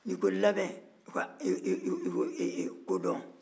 n'i ko labɛn i ko kodɔn